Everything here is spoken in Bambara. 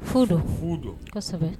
Fu don kosɛbɛ